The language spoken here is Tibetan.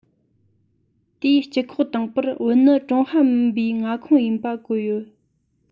དེའི སྤྱི ཁོག དང པོར བོད ནི ཀྲུང ཧྭ མིན གོའི མངའ ཁོངས ཡིན པ བཀོད ཡོད